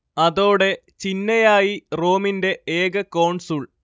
അതോടേ ചിന്നയായി റോമിന്റെ ഏക കോൺസുൾ